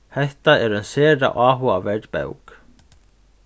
hetta er ein sera áhugaverd bók